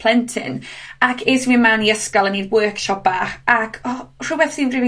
plentyn, ac es fi mewn i ysgol, mewn i workshop bach ac, o rhwbeth sy'n rili